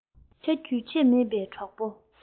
ཆ རྒྱུས ཆེར མེད པའི གྲོགས པོ